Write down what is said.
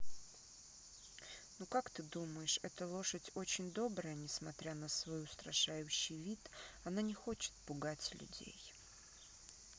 ну как ты думаешь эта лошадь очень добрая несмотря свой устрашающий вид она не хочет пугать людей